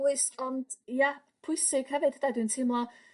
Dwys ond ia pwysig hefyd 'de dwi'n teimlo